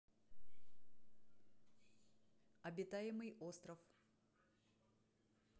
обитаемый остров